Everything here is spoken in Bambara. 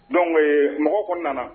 Don mɔgɔ ko nana